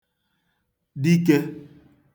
dikē